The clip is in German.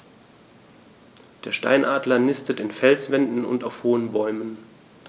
Der Steinadler nistet in Felswänden und auf hohen Bäumen.